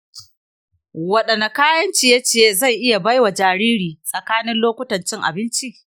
wadanne kayan ciye-ciye zan iya bai wa jariri tsakanin lokutan cin abinci?